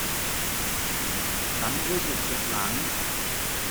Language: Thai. ฉันรู้สึกเจ็บหลัง